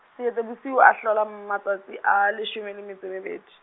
Seetebosigo a hlola m- matsatsi a leshome le metso e mebedi.